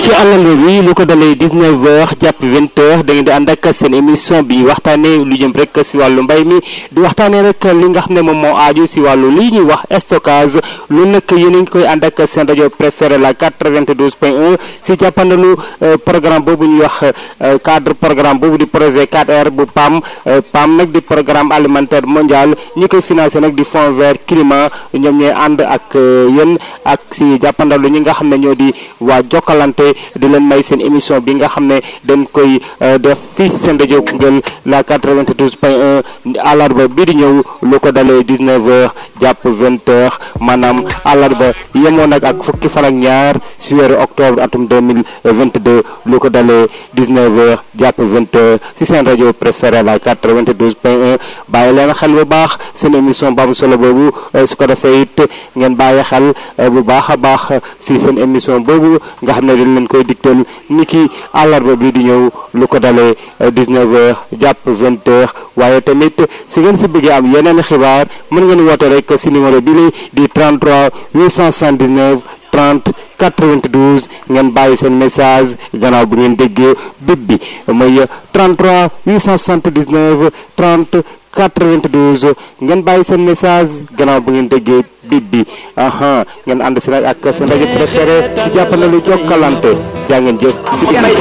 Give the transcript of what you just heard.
ci àllarba bii lu ko dalee 19h jàpp 20h da ngeen di ànd ak seen émission di waxtaanee lu jëm rek ci wàllu mbay mi di waxtaanee rek lépp li nga xam ne moom moo aaju si wàllu wii ñu wax stockage loolu nag yéen a ngi koy ànd ak seen rajo préférée la 92 point 1 si jàppandalu programme boobu ñuy wax cadre programme boobu di projet 4R bu PAM PAM di programme alimentaire mondial ñi koy financé nag di Fond vert climat ñoom ñooy ànd ak yéen ak si jàppandalu ñi nga xam ne ñoo di waa Jokalante di leen may seen émission bi nga xam ne dañ koy def fii si seen rajo Koungheul la 92 point 1 àllarba bii di ñëw lu ko dalee 19h jàpp 20h maanaam àllarba yemoo nag ak fukki fan ak ñaar si weeru octobre atum 2022 lu ko dalee 19h jàpp 20h si seen rajo préférée la 92 point 1 bàyyi leen xel bu baax seen émission bu am solo boobu su ko defee it ngeen bàyyi xel bu baax a baax si seen émission boobu nga xam ne dañ leen koy digtal ni ki àllarba bii di ñëw lu ko dalee 19h jàpp 20h waaye tamit su ngeen si bëggee am yeneen i xibaar mën ngeen woote rek si numéro bii di 33 879 30 92 ngeen bàyyi seen message gànnaaw bi ngeen déggee bip bi mooy 33 879 30 92 ngeen bàyyi seen message gànnaaw bi ngeen déggee bip bi aha ngeen ànd si nag ak seen rajo préfére si jàppandalu Jokalante jaa ngeen jëf si déglu bi